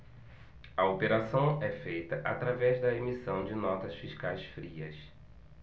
a operação é feita através da emissão de notas fiscais frias